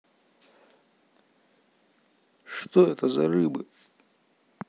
что это за рыбы